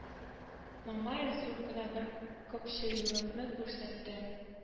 Мамаев зур гына бер кыпчылыкны күрсәтте